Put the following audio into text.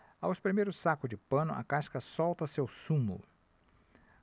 ao espremer o saco de pano a casca solta seu sumo